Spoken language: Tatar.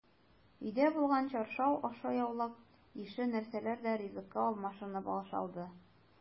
Өйдә булган чаршау, ашъяулык ише нәрсәләр дә ризыкка алмашынып ашалды.